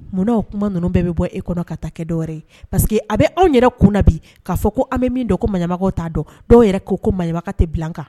Munna'aw kuma ninnu bɛɛ bɛ bɔ e kɔnɔ ka taa kɛ dɔwɛrɛ ye paseke que a bɛ anw yɛrɛ kun na bi k'a fɔ ko an bɛ min ko maɲa t'a dɔn dɔw yɛrɛ ko ko maɲa tɛ bila kan